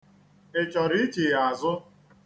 Ị chọrọ ichigha azụ?